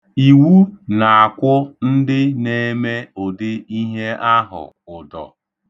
Iwu na-akwụ ndị na-eme ụdị ihe ahụ ụdọ.